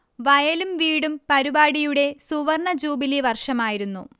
വയലും വീടും പരിപാടിയുടെ സുവർണ്ണ ജൂബിലി വർഷമായിരുന്നു